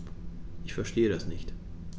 Ich verstehe das nicht.